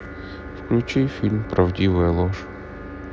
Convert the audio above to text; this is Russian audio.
включи фильм правдивая ложь